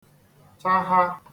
chahā